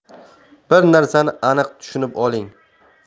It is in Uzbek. bir narsani aniq tushunib oling